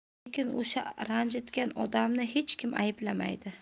lekin o'sha ranjitgan odamni hech kim ayblamaydi